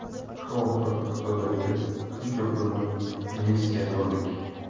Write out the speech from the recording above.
shu orqali iqtisodiyotga shuncha pulni emissiya qildik